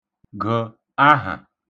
gə̣̀ ahà